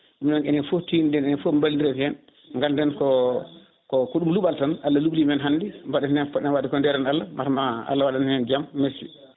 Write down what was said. ɗum noon enen foof tinno ɗen enen foof ballodiren hen ganden ko ko ko ɗum luuɓal tan Allah lubrimen hande mbaɗen hen ko poɗɗen wadde ko dewren Allah maate ma Allah waɗan en hen jaam merci